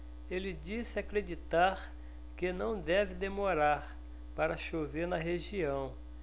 ele disse acreditar que não deve demorar para chover na região